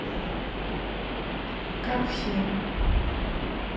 как все